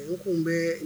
U kun bɛ